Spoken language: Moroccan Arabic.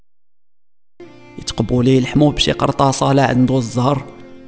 قبولي لحم بس قرطاسه لعند الظهر